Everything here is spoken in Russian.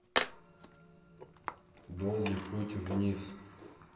долгий путь вниз